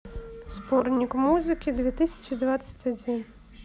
сборник музыки две тысячи двадцать один